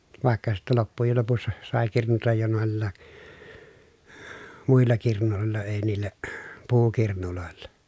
vaikka sitten loppujen lopussa sai kirnuta jo noilla muilla kirnuilla ei niillä puukirnuilla